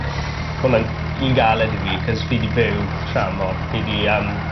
Ma' wnna'n un galed i fi 'c'os fi 'di byw tramor fi 'di yym...